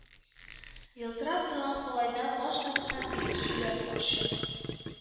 Елтырап торган калайдан баш тарткан бит, жүлөр карчык